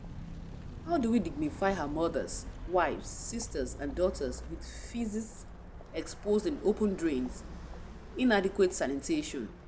How do we dignify our mothers, wives, sisters and daughters with feces exposed in open drains – inadequate sanitation?